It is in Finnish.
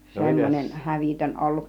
semmoinen hävytön ollut